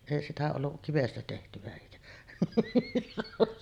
ei sitä ollut kivestä tehtyä eikä